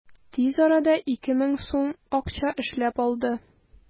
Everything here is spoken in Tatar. Тиз арада 2000 сум акча эшләп алды.